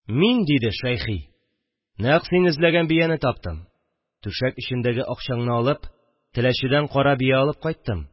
– мин, – диде шәйхи, – нәкъ син эзләгән бияне таптым, түшәк эчендәге акчаңны алып, теләчедән кара бия алып кайттым